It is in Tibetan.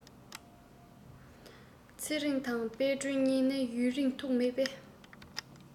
ཚེ རིང དང དཔལ སྒྲོན གཉིས ནི ཡུན རིང ཐུགས མེད པས